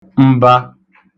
mba